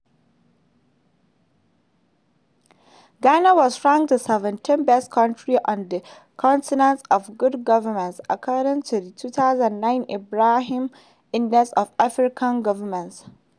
Ghana was ranked the seventh-best country on the continent for good governance according to the 2009 Ibrahim Index of African Governance.